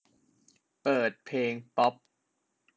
เปิดเพลงป๊อป